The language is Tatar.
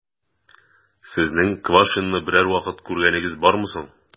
Сезнең Квашнинны берәр вакыт күргәнегез бармы соң?